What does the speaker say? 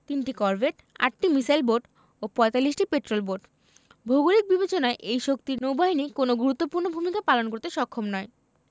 ৩টি করভেট ৮টি missile boat ও ৪৫টি পেট্রল বোট ভৌগোলিক বিবেচনায় এই শক্তির নৌবাহিনী কোনো গুরুত্বপূর্ণ ভূমিকা পালন করতে সক্ষম নয়